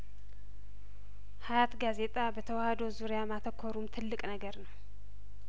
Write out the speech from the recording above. ሀያት ጋዜጣ በተዋሀዶ ዙሪያ ማተኮሩም ትልቅ ነገር ነው